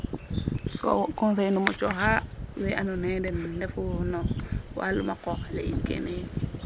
so wo conseil fum o cooxa we andoona yee den ndefu no waluma qooq ale yin kene yin